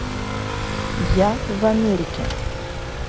а в америке